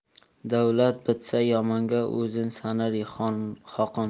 davlat bitsa yomonga o'zin sanar xoqonga